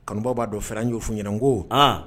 Kanubaw b'a dɔn fɛrɛranjofu ɲɛna n ko